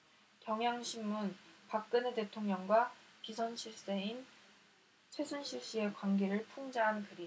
경향신문 박근혜 대통령과 비선실세인 최순실씨의 관계를 풍자한 그림